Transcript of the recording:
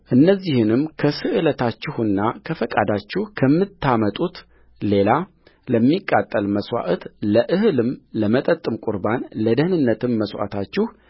እነዚህንም ከስእለታችሁና በፈቃዳችሁ ከምታመጡት ሌላ ለሚቃጠል መሥዋዕት ለእህልም ለመጠጥም ቍርባን ለደኅንነትም መሥዋዕታችሁ